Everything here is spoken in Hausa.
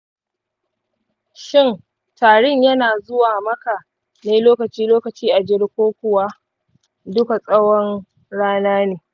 shin tarin yana zuwa maka ne lokaci-lokaci a jere ko kuwa duka tsawon rana ne?